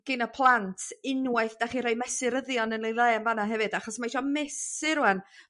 gin y plant unwaith dach chi roi mesuryddion yn eu le yn fana hefyd achos ma' isio mesur rwan